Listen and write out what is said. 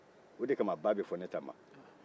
o de kama ba bɛ fɔ ne ta man